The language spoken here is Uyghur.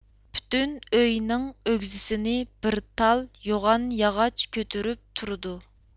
پۈتۈن ئۆينىڭ ئۆگزىسىنى بىر تال يوغان ياغاچ كۆتۈرۈپ تۇرىدۇ